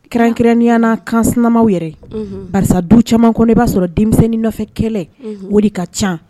Kɛrɛnkɛrɛnniyana kansinamaw yɛrɛ unhun barisa du caman kɔnɔ i b'a sɔrɔ denmisɛnnin nɔfɛ kɛlɛ unhun o de ka can